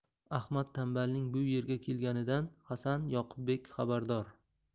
ahmad tanbalning bu yerga kelganidan hasan yoqubbek xabardor